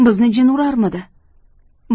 bizni jin urarmidi